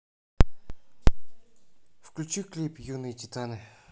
включи клип юные титаны